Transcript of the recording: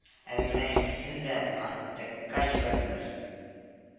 Әле менә икесен дә артекка җибәрделәр